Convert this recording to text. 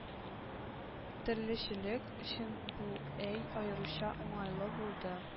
Терлечелек өчен бу әй аеруча уңайлы булды